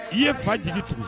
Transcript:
I ye fa jigin tugun